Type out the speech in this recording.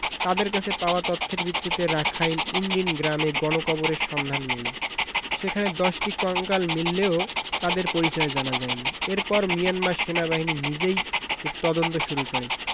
তাঁদের কাছে পাওয়া তথ্যের ভিত্তিতে রাখাইন ইন দিন গ্রামে গণকবরের সন্ধান মেলে সেখানে ১০টি কঙ্কাল মিললেও তাদের পরিচয় জানা যায়নি এরপর মিয়ানমার সেনাবাহিনী নিজেই এর তদন্ত শুরু করে